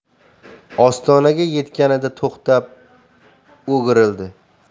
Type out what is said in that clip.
ostonaga yetganida to'xtab o'girildi